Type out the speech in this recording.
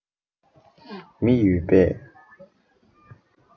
མི ཡོད པས